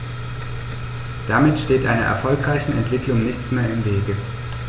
Damit steht einer erfolgreichen Entwicklung nichts mehr im Wege.